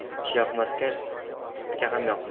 ishyoqmas itga ham yoqmas